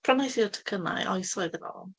Prynnais i'r tocynnau oesoedd yn ôl.